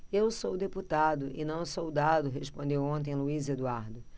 eu sou deputado e não soldado respondeu ontem luís eduardo